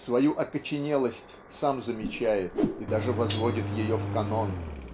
свою окоченелость сам замечает и даже возводит ее в канон.